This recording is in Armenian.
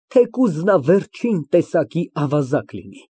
Թեկուզ նա վերջին տեսակի ավազակ լինի։